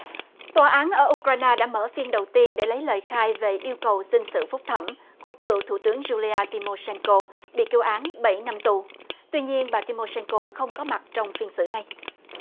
tòa án ở u cờ rai na đã mở phiên đầu tiên để lấy lời khai về yêu cầu xin sử phúc thẩm của cựu thủ tướng giu li a ti mô sen cô bị kêu án bảy năm tù tuy nhiên bà ti mô sen cô không có mặt trong phiên xử này